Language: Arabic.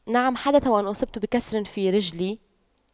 نعم حدث وان اصبت بكسر في رجلي